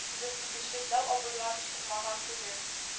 Узып китүче «дәү абыйлар» чыкмаган түгел